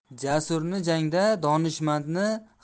jasurni jangda donishmandni